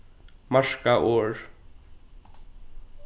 marka orð